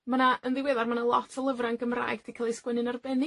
Ma' 'na, yn ddiweddar ma' 'na lot o lyfra yn Gymraeg 'di cael eu sgwennu'n arbennig